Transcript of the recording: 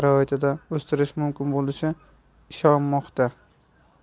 laboratoriya sharoitida o'stirish mumkin bo'lishiga ishonmoqda